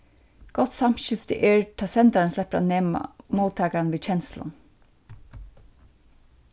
gott samskifti er tá sendarin sleppur at nema móttakaran við kenslum